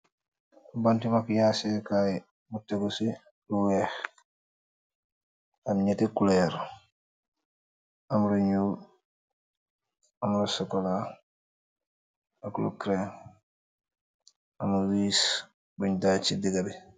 Banti makiyaseh kai bu tégu ci lu wèèx , am ñetti kulor , am lu ñuul, am lu sokola ak lu kiriim am na wiis buñ tek ci degga bi.